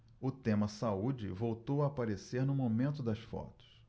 o tema saúde voltou a aparecer no momento das fotos